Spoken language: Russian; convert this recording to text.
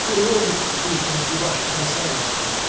уродец, в сущности, ваша красавица!